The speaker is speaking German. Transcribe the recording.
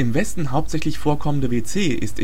Westen hauptsächlich vorkommende WC ist